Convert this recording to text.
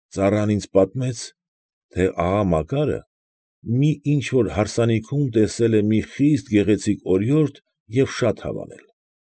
Ծառան ինձ պատմեց, թե աղա Մակարը մի ինչ֊որ հարսանիքում տեսել է մի խիստ գեղեցիկ օրիորդ և շատ հավանել։